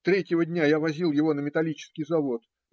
Третьего дня я возил его на металлический завод